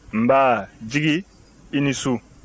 nba jigi i ni su